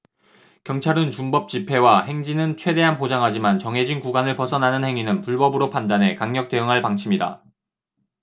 경찰은 준법 집회와 행진은 최대한 보장하지만 정해진 구간을 벗어나는 행위는 불법으로 판단해 강력 대응할 방침이다